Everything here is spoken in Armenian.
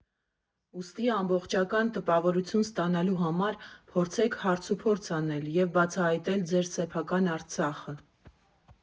Ուստի ամբողջական տպավորություն ստանալու համար փորձեք հարցուփորձ անել և բացահայտել ձեր սեփական Արցախը։